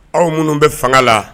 Aw minnu bɛ fanga la